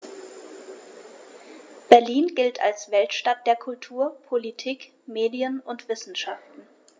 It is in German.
Berlin gilt als Weltstadt der Kultur, Politik, Medien und Wissenschaften.